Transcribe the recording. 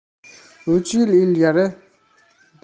uch yil ilgari